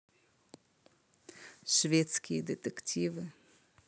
шведские детективы